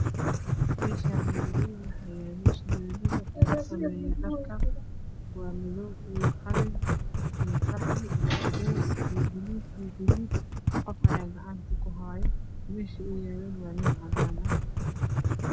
Meshaani waa dhul waxaa yaalo surwaalad lag samiyo dharak waa madow iyo qalin iyo qaxwi iyo cadees iyo baluug iyo gaduud qof ayaa gacanat ku haay mesh ow yaalo waa meel cadaan ah